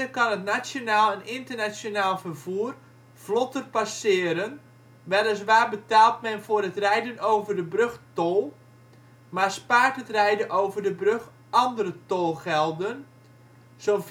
kan het nationaal en internationaal vervoer vlotter passeren. Weliswaar betaalt men voor het rijden over de brug tol, maar spaart het rijden over de brug andere tolgelden (zo